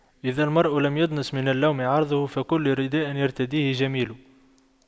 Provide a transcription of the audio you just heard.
إذا المرء لم يدنس من اللؤم عرضه فكل رداء يرتديه جميل